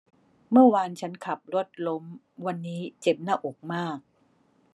เมื่อวานฉันขับรถล้มวันนี้เจ็บหน้าอกมาก